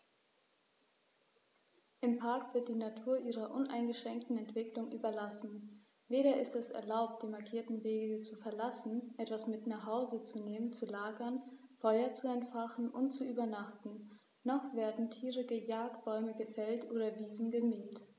Im Park wird die Natur ihrer uneingeschränkten Entwicklung überlassen; weder ist es erlaubt, die markierten Wege zu verlassen, etwas mit nach Hause zu nehmen, zu lagern, Feuer zu entfachen und zu übernachten, noch werden Tiere gejagt, Bäume gefällt oder Wiesen gemäht.